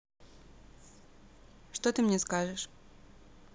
что ты мне скажешь